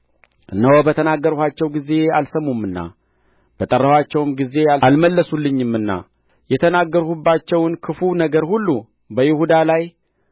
እነሆ በተናገርኋቸው ጊዜ አልሰሙምና በጠራኋቸውም ጊዜ አልመለሱልኝምና የተናገርሁባቸውን ክፉ ነገር ሁሉ በይሁዳ ላይ